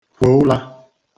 kwò ụlā